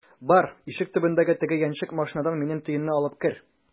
Бар, ишек төбендәге теге яньчек машинадан минем төенне алып кер!